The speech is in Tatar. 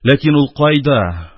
Ләкин ул кайда?